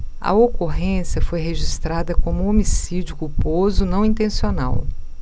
a ocorrência foi registrada como homicídio culposo não intencional